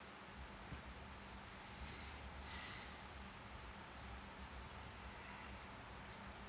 да что случилось с чем не разговариваешь блин